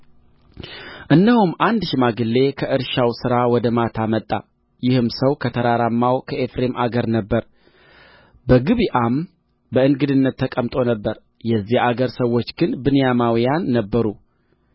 እነሆም አንድ ሽማግሌ ከእርሻው ሥራ ወደ ማታ መጣ ይህም ሰው ከተራራማው ከኤፍሬም አገር ነበረ በጊብዓም በእንግድነት ተቀምጦ ነበር የዚያ አገር ሰዎች ግን ብንያማውያን ነበሩ